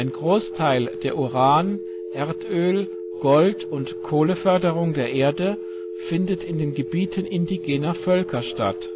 Großteil der Uran -, Erdöl -, Gold - und Kohleförderung der Erde findet in den Gebieten indigener Völker statt